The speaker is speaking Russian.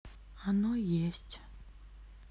оно есть